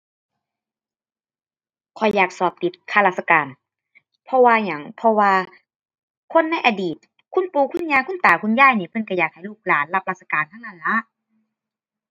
ข้อยอยากสอบติดข้าราชการ เพราะว่าหยัง เพราะว่าคนในอดีตคุณปู่คุณย่าคุณตาคุณยายนี่เพิ่นก็อยากให้ลูกหลานรับราชการทั้งนั้นล่ะ